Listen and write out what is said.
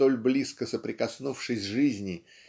столь близко соприкоснувшись жизни